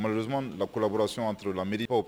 Malizson lakurabɔsiɔntu labi